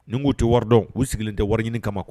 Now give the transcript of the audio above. N k'u tɛ wari dɔn k uu sigilen tɛ wari ɲini kama kɔ